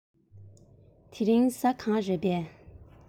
དེ རིང གཟའ གང རས